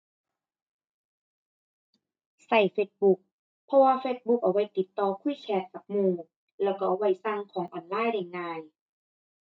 ใช้ Facebook เพราะว่า Facebook เอาไว้ติดต่อคุยแชตกับหมู่ แล้วก็เอาไว้สั่งของออนไลน์ได้ง่าย